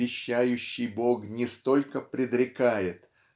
вещающий бог не столько предрекает